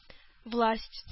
Власть